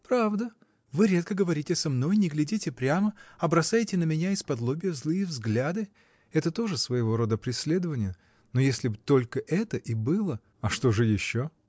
— Правда, вы редко говорите со мной, не глядите прямо, а бросаете на меня исподлобья злые взгляды — это тоже своего рода преследование. Но если б только это и было. — А что же еще?